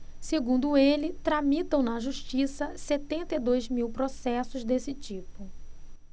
segundo ele tramitam na justiça setenta e dois mil processos desse tipo